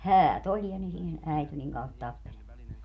häät oli ja ne siinä äityi niin kauheasti tappelemaan